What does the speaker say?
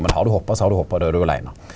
men har du hoppa så har du hoppa då er du åleine.